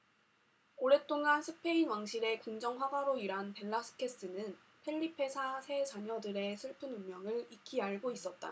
오랫동안 스페인 왕실의 궁정화가로 일한 벨라스케스는 펠리페 사 세 자녀들의 슬픈 운명을 익히 알고 있었다